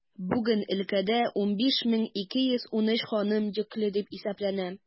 Бүген өлкәдә 15213 ханым йөкле дип исәпләнә.